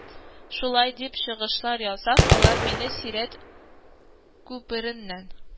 Шулай дип чыгышлар ясап, алар мине сират күпереннән